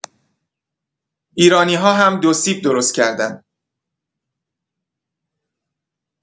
ایرانی‌‌ها هم دوسیب درست‌کردن.